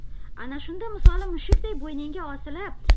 ana shunda misoli mushukday bo'yningga osilib